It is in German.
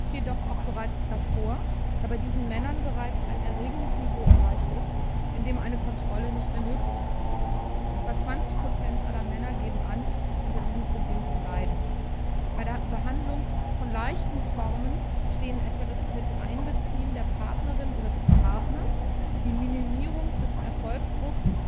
jedoch auch bereits davor, da bei diesen Männern bereits ein Erregungsniveau erreicht ist, in dem eine Kontrolle nicht mehr möglich ist. Etwa 20% aller Männer geben an, unter diesem Problem zu leiden. Bei der Behandlung von leichten Formen stehen etwa das Miteinbeziehen der Partnerin oder des Partners, die Minimierung des Erfolgsdrucks